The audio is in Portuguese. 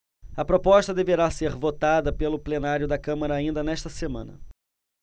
a proposta deverá ser votada pelo plenário da câmara ainda nesta semana